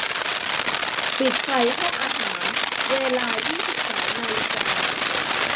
ปิดไฟห้องอาหารเวลายี่สิบสองนาฬิกา